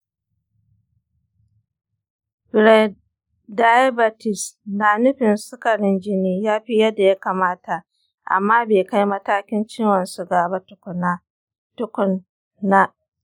prediabetes na nufin sukarin jini ya fi yadda ya kamata amma bai kai matakin ciwon suga ba tukun na.